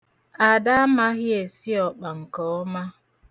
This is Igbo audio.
Ada amaghị esi ọkpa nke ọma.